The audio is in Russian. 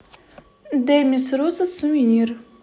демис руссос сувенир